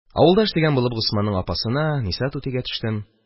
Авылдаш дигән булып, Госманның апасына – Ниса түтигә төштем.